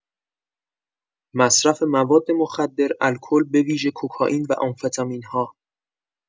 مصرف مواد مخدر، الکل، به‌ویژه کوکائین و آمفتامین‌ها